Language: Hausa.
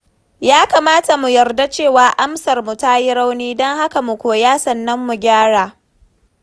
Ya kamata mu yarda cewa amsarmu ta yi rauni, don haka mu koya sannan mu gyara.